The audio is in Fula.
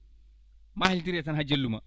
maayonndiree tan haa jillumaa